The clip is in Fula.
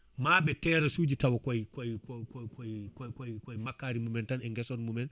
maaɓe terrasse uji taw koy koyi koyi koyi koyi makkari mumen tan e guesson mumen